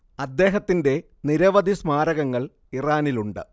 അദ്ദേഹത്തിന്റെ നിരവധി സ്മാരകങ്ങൾ ഇറാനിലുണ്ട്